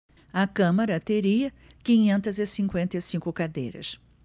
a câmara teria quinhentas e cinquenta e cinco cadeiras